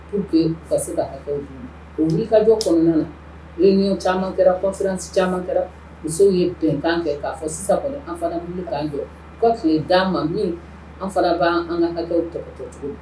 Pour que u ka se hakɛw d'u ma o wili ka jɔ kɔnɔna na réunion caman kɛra conférence caman kɛra musow ye bɛnkan kɛ k'a fɔ sisan kɔni an fana bɛ wili k'an jɔ u ka tile d'an ma min an fana b'an ka hakɛw tɔbɔtɔ.